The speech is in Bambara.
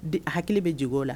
Hakili bɛ jɛ o la